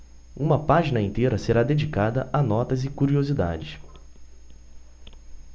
uma página inteira será dedicada a notas e curiosidades